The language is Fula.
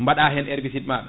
mbaɗa hen herbicide maɗa